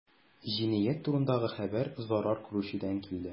Җинаять турындагы хәбәр зарар күрүчедән килде.